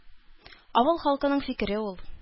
Авыл халкының фикере ул.